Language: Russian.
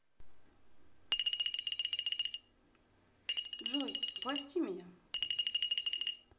джой прости меня